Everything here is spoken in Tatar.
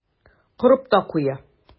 Корып та куя.